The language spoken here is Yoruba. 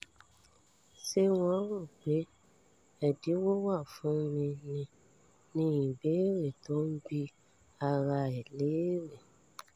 ”Ṣé wọ́n rò pé ẹ̀dínwó wà fún mi ni?” ni ìbéèrè tó ń bi ara ẹ̀ léèrè.